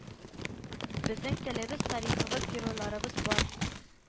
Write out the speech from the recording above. Безнең телебез, тарихыбыз, геройларыбыз бар